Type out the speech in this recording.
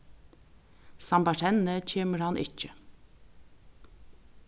sambært henni kemur hann ikki